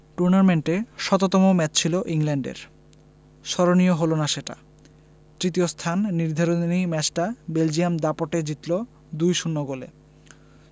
টুর্নামেন্টে শততম ম্যাচ ছিল ইংল্যান্ডের স্মরণীয় হলো না সেটা তৃতীয় স্থান নির্ধারণী ম্যাচটা বেলজিয়াম দাপটে জিতল ২ ০ গোলে